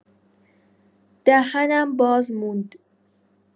دهنم باز موند.